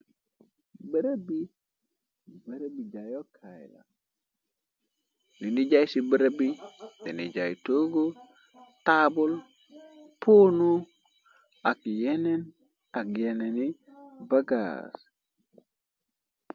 Barab bi, barab bi jaayo kaayla, li ni jaay ci barab bi, dani jaay toogu, taabul, poonu ak yeneen ak yeneni bagaag.